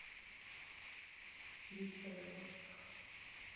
битва животных